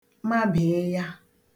mabị̀ịya